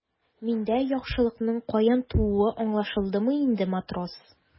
Миндә яхшылыкның каян тууы аңлашылдымы инде, матрос?